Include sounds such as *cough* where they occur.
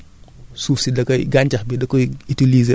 nga jël ko dem wis ko sa tool *breath*